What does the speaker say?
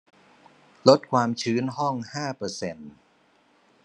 ลดความชื้นห้องห้าเปอร์เซ็นต์